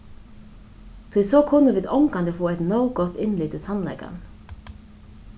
tí so kunnu vit ongantíð fáa eitt nóg gott innlit í sannleikan